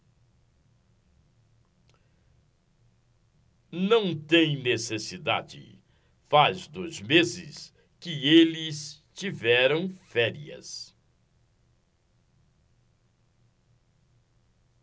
não tem necessidade faz dois meses que eles tiveram férias